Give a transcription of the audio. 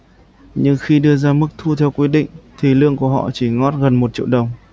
nhưng khi đưa ra mức thu theo quy định thì lương của họ chỉ ngót gần một triệu đồng